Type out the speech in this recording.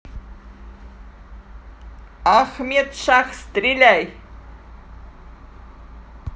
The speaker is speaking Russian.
ахмед шах стреляй